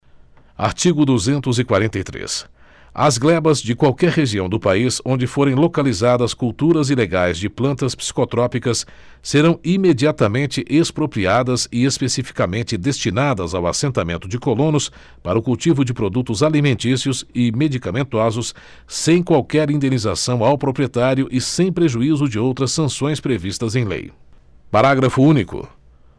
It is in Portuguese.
artigo duzentos e quarenta e três as glebas de qualquer região do país onde forem localizadas culturas ilegais de plantas psicotrópicas serão imediatamente expropriadas e especificamente destinadas ao assentamento de colonos para o cultivo de produtos alimentícios e medicamentosos sem qualquer indenização ao proprietário e sem prejuízo de outras sanções previstas em lei parágrafo único